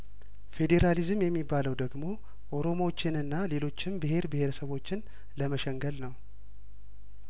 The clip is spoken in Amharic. ፈዴራሊዝም የሚባለው ደግሞ ኦሮሞዎችንና ሌሎችን ብሄር ብሄረሰቦችን ለመሸንገል ነው